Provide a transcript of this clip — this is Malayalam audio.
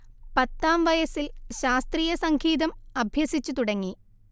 പത്താം വയസിൽ ശാസ്ത്രീയ സംഗീതം അഭ്യസിച്ചു തുടങ്ങി